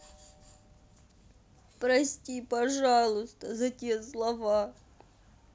прости пожалуйста за те слова